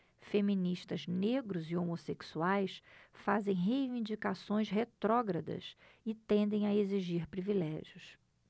feministas negros e homossexuais fazem reivindicações retrógradas e tendem a exigir privilégios